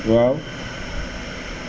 waaw